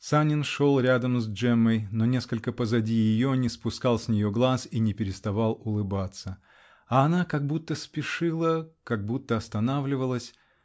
Санин шел то рядом с Джеммой, то несколько позади ее, не спускал с нее глаз и не переставал улыбаться. А она как будто спешила. как будто останавливалась.